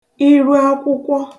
iruakwụkwọ